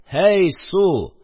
– һәй, су!